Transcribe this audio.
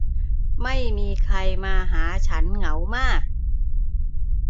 ไม่มีใครมาหาฉันเหงามาก